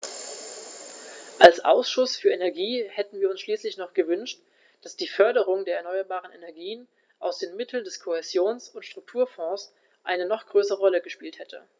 Als Ausschuss für Energie hätten wir uns schließlich noch gewünscht, dass die Förderung der erneuerbaren Energien aus den Mitteln des Kohäsions- und Strukturfonds eine noch größere Rolle gespielt hätte.